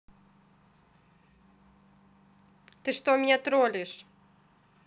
ты что меня троллишь